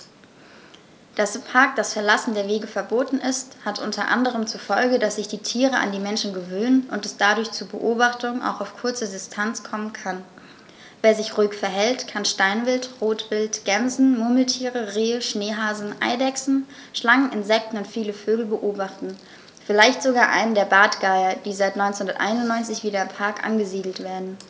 Dass im Park das Verlassen der Wege verboten ist, hat unter anderem zur Folge, dass sich die Tiere an die Menschen gewöhnen und es dadurch zu Beobachtungen auch auf kurze Distanz kommen kann. Wer sich ruhig verhält, kann Steinwild, Rotwild, Gämsen, Murmeltiere, Rehe, Schneehasen, Eidechsen, Schlangen, Insekten und viele Vögel beobachten, vielleicht sogar einen der Bartgeier, die seit 1991 wieder im Park angesiedelt werden.